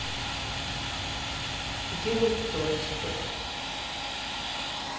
делать тортики